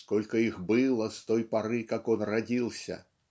сколько их было с той поры как он родился"